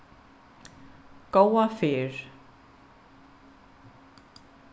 góða ferð